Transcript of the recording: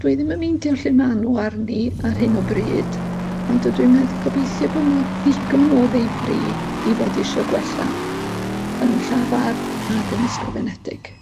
Dwi ddim yn meindio lle ma' nw arni ar hyn o bryd ond dy- dwi'n medd- gobeithio bo' nw ddigon o ddifri i fod isio gwella yn llafar ag yn ysgrifenedig.